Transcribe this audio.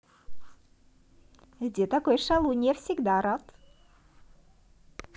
где такой шалунья всегда рад